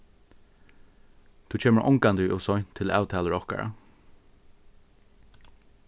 tú kemur ongantíð ov seint til avtalur okkara